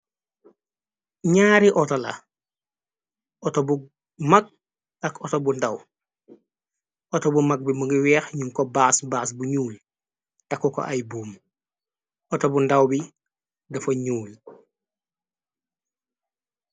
Ñaari oto la auto bu mag ak auto bu ndaw ato bu mag bi mënga weex ñu kop baas baas bu ñuul takuko ay buum auto bu ndaw bi dafa ñuul.